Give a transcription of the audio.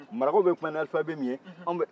marakaw bɛ kuma ni alifabe min ye an bɛ